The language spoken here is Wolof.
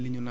dëgg la